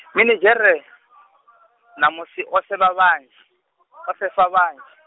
minidzhere, na musi o sevha vhanzhi, o sefa vhanzhi.